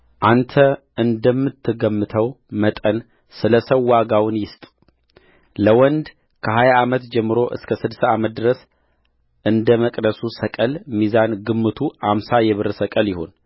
አንተ እንደምትገምተው መጠን ስለ ሰው ዋጋውን ይስጥለወንድ ከሃያ ዓመት ጀምሮ እስከ ስድሳ ዓመት ድረስ እንደ መቅደሱ ሰቅል ሚዛን ግምቱ አምሳ የብር ሰቅል ይሁን